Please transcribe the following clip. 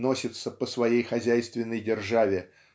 носится по своей хозяйственной державе